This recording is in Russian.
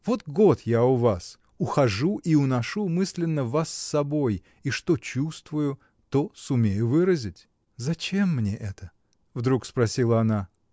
Вот год я у вас: ухожу и уношу мысленно вас с собой, и что чувствую, то сумею выразить. — Зачем мне это? — вдруг спросила она.